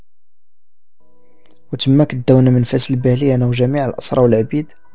سمك التونه منفصل بالي انا وجميع الاسره والعبيد